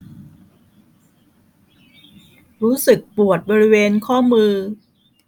รู้สึกปวดบริเวณข้อมือ